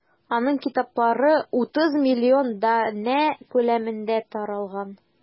Аның китаплары 30 миллион данә күләмендә таралган.